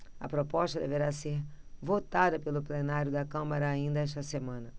a proposta deverá ser votada pelo plenário da câmara ainda nesta semana